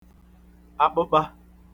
akpụkpa